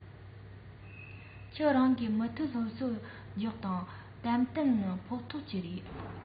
ཁྱེད རང གིས མུ མཐུད སློབ གསོ རྒྱོབས དང གཏན གཏན ཕན ཐོགས ཀྱི རེད